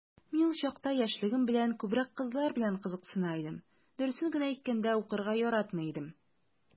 Мин ул чакта, яшьлегем белән, күбрәк кызлар белән кызыксына идем, дөресен генә әйткәндә, укырга яратмый идем...